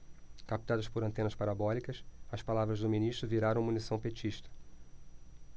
captadas por antenas parabólicas as palavras do ministro viraram munição petista